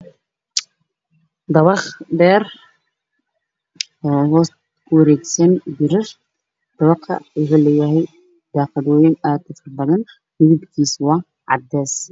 dabaq aada aada u dheer